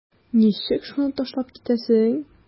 Ничек шуны ташлап китәсең?